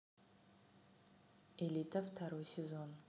элита второй сезон